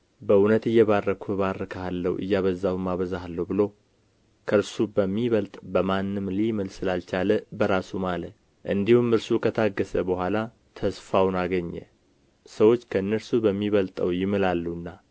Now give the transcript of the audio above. በእውነት እየባረክሁ እባርክሃለሁ እያበዛሁም አበዛሃለሁ ብሎ ከእርሱ በሚበልጥ በማንም ሊምል ስላልቻለ በራሱ ማለ እንዲሁም እርሱ ከታገሰ በኋላ ተስፋውን አገኘ ሰዎች ከእነርሱ በሚበልጠው ይምላሉና